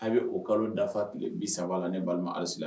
A bɛ o kalo dafa kelen bi saba la ni balima alasi